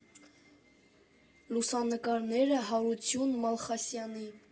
Լուսանկարները՝ Հարություն Մալխասյանի։